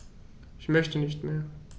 Ich möchte nicht mehr.